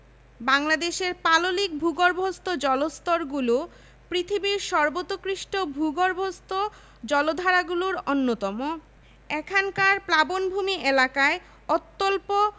২৭টি merchant banker ৫৫৬টি money changer ২টি stock exchange Dhaka stock exchange এবং চট্টগ্রাম স্টক এক্সচেঞ্জ